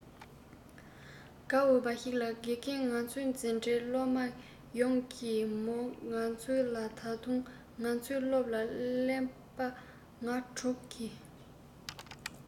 དགའ འོས པ ཞིག ལ དགེ རྒན ང ཚོའི འཛིན གྲྭའི སློབ མ ཡོངས གིས མོའི ང ཚོ ལ ད དུང ང ཚོའི སློབ ལ རན པ ང དྲུག གིས